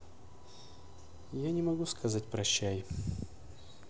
я не могу сказать прощай